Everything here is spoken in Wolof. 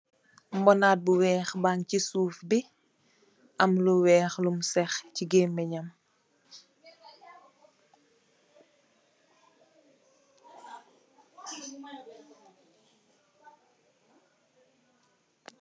Mbonaat bu weex bi bang ci suuf bi am lu weex lum sekh ci gemenye nyam.